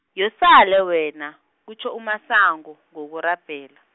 yosale wena, kutjho uMasango, ngokurabhela.